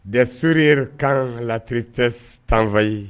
Desori kan latreriti tanfa ye